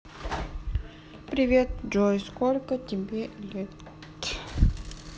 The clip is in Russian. привет джой сколько тебе лет